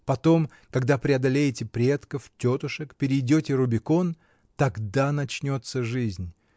Потом, когда преодолеете предков, тетушек, перейдете Рубикон — тогда начнется жизнь.